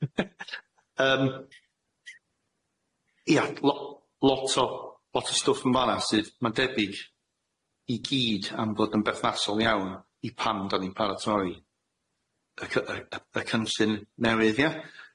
Yym ia lo- lot o lot o stwff yn fan'na sydd ma'n debyg i gyd am fod yn berthnasol iawn i pam dan ni'n paratoi y cy- yy y cynllun newydd ia?